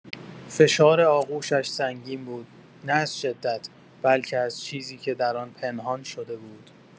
فشار آغوشش سنگین بود، نه از شدت، بلکه از چیزی که در آن پنهان شده بود.